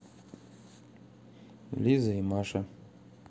лиза и маша